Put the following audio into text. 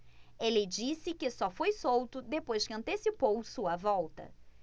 ele disse que só foi solto depois que antecipou sua volta